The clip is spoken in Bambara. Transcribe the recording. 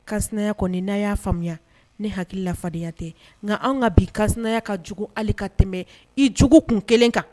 Kaya kɔni na y'a faamuya ne hakili lafadenyaya tɛ nka an ka bi kaya ka jugu hali ka tɛmɛ i jugu kun kelen kan